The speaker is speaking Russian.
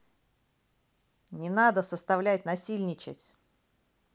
не надо составлять насильничать